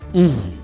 Un